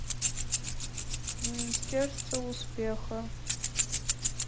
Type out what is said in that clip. министерство успеха